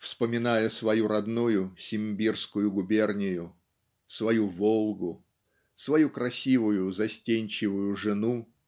вспоминая свою родную Симбирскую губернию свою Волгу свою красивую застенчивую жену